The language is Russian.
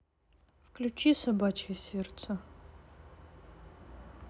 включи собачье сердце